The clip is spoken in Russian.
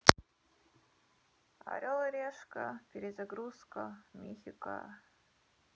орел и решка перезагрузка мехико